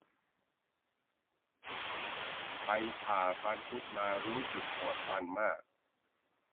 ไปผ่าฟันคุดมารู้ปวดฟันมาก